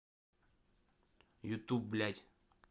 ютуб блядь